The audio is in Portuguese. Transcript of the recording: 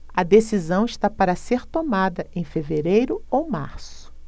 a decisão está para ser tomada em fevereiro ou março